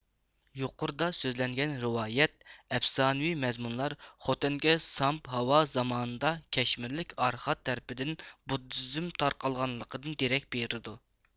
يۇقىرىدا سۆزلەنگەن رىۋايەت ئەپسانىۋى مەزمۇنلار خوتەنگە سامبھاۋا زامانىدا كەشمىرلىك ئارخات تەرىپىدىن بۇددىزم تارقالغانلىقىدىن دېرەك بېرىدۇ